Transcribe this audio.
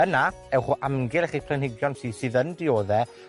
Yna, ewch o amgylch eich planhigion sy- sydd yn diodde,